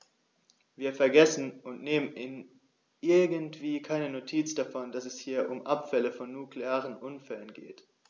Wir vergessen, und nehmen irgendwie keine Notiz davon, dass es hier um Abfälle von nuklearen Unfällen geht.